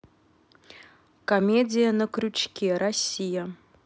комедия на крючке россия